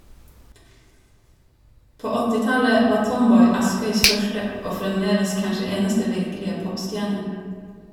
På 80-tallet var Tomboy Askøys første og fremdeles kanskje eneste virkelige popstjerner.